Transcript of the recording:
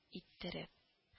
Иттереп